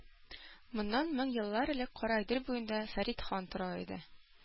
Моннан мең еллар элек Кара Идел буенда Фәрит хан тора иде.